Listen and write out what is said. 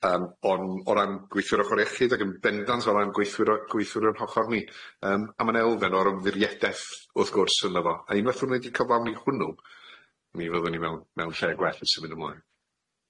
Yym o'n o ran gweithwyr ochor iechyd ag yn bendant o ran gweithwyr o- gweithwyr yr hollol ni, yym a ma'n elfen o'r ymddiriedeth wrth gwrs ynddo fo a unwaith o'n i di cyflawni hwnnw, mi fyddwn ni mewn mewn lle gwell yn symud ymlaen.